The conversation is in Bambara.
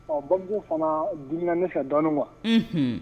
Ɔ bamuso fana dimina ne fɛ dɔɔnin quoi unhun.